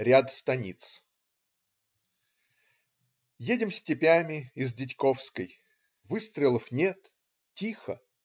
Ряд станиц Едем степями из Дядьковской. Выстрелов нет, тихо.